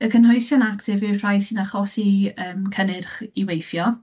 Y cynhwysion actif yw'r rhai sy'n achosi i, yym, cynnyrch i weithio.